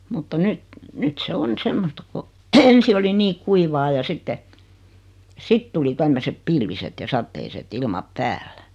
mutta nyt nyt se on semmoista kun ensi oli niin kuivaa ja sitten sitten tuli tämmöiset pilviset ja sateiset ilmat päällä